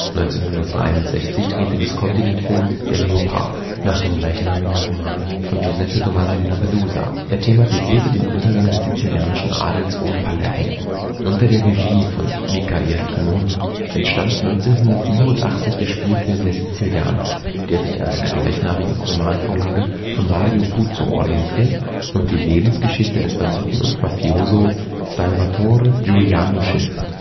1963 drehte Visconti den Film Der Leopard nach dem gleichnamigen Roman von Giuseppe Tomasi di Lampedusa. Er thematisiert den Untergang des sizilianischen Adels um Palermo. Gedenktafel an die Dreharbeiten zu Stromboli Unter der Regie von Michael Cimino entstand 1987 der Spielfilm Der Sizilianer, der sich an einer gleichnamigen Romanvorlage von Mario Puzo orientiert und die Lebensgeschichte des Banditen und Mafioso Salvatore Giuliano schildert